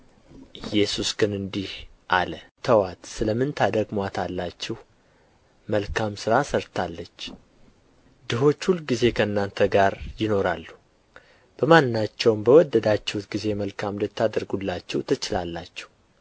ኢየሱስ ግን እንዲህ አለ ተዉአት ስለ ምን ታደክሙአታላችሁ መልካም ሥራ ሠርታልኛለች ድሆች ሁልጊዜ ከእናንተ ጋር ይኖራሉና በማናቸውም በወደዳችሁት ጊዜ መልካም ልታደርጉላቸው ትችላላችሁ